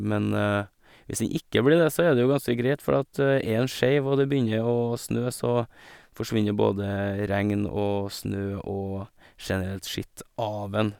Men hvis den ikke blir det, så er det jo ganske greit, fordi at er den skeiv og det begynner å snø, så forsvinner jo både regn og snø og generelt skitt av den.